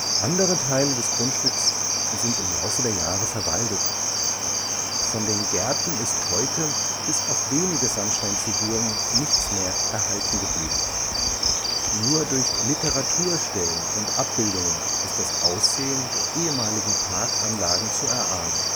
Andere Teile des Grundstücks sind im Laufe der Jahre verwaldet. Von den Gärten ist heute, bis auf wenige Sandsteinfiguren, nichts mehr erhalten geblieben. Nur durch Literaturstellen und Abbildungen ist das Aussehen der ehemaligen Parkanlagen zu erahnen